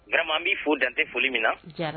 Ga b'i fo dantɛ foli min na